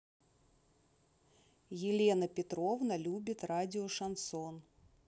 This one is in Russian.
елена петровна любит радио шансон